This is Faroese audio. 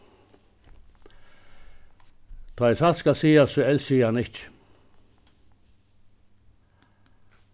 tá ið satt skal sigast so elski eg hann ikki